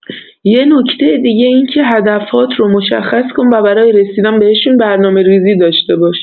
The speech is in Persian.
یه نکته دیگه اینکه هدف‌هات رو مشخص کن و برای رسیدن بهشون برنامه‌ریزی داشته باش.